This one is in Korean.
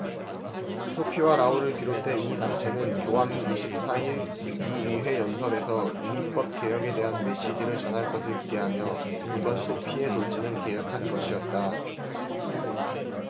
소피와 라울을 비롯해 이 단체는 교황이 이십 사 일 미 의회 연설에서 이민법 개혁에 대한 메시지를 전할 것을 기대하며 이번 소피의 돌진을 계획한 것이었다